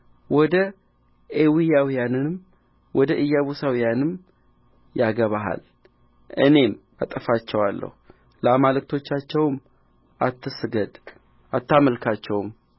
ወደ ኤዊያውያንም ወደ ኢያቡሳውያንም ያገባሃል እኔም አጠፋቸዋለሁ ለአማልክቶቻቸው አትስገድ አታምልካቸውም